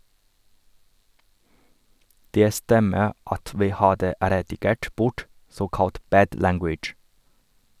- Det stemmer at vi hadde redigert bort såkalt "bad language".